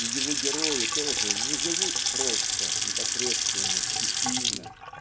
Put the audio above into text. И его герои тоже не живут просто, непосредственно, стихийно,